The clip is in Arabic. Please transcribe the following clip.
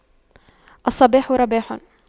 الصباح رباح